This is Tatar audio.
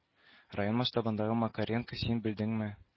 Район масштабындагы макаренко син белдеңме